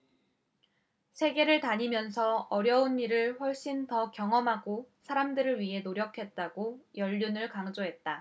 세계를 다니면서 어려운 일을 훨씬 더 경험하고 사람들을 위해 노력했다고 연륜을 강조했다